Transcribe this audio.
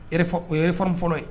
O yɛrɛfɔlɔ ye